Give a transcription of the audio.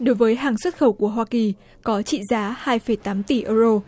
đối với hàng xuất khẩu của hoa kỳ có trị giá hai phẩy tám tỷ ơ rô